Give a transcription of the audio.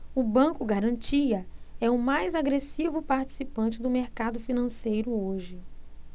o banco garantia é o mais agressivo participante do mercado financeiro hoje